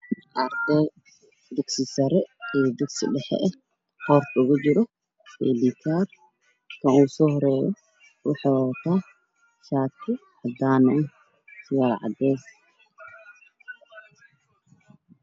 Arday dugsi sare io dugsi dhex qorta ugu jiro eydhikar kan usohoreya shati cadan ah io cades